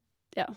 Ja.